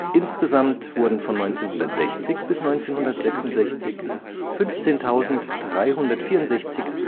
Insgesamt wurden von 1960 bis 1966 15.364 Einheiten gefertigt (Seriennummern 372001 – 387364